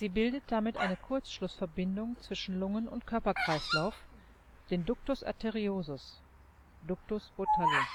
bildet damit eine Kurzschlussverbindung zwischen Lungen - und Körperkreislauf, den Ductus arteriosus (Ductus Botalli